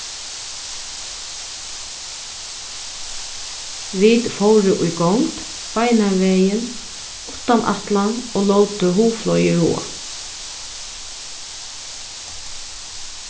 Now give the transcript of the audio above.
vit fóru í gongd beinanvegin uttan ætlan og lótu hugflogið ráða